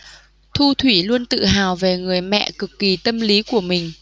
thu thủy luôn tự hào về người mẹ cực kì tâm lý của mình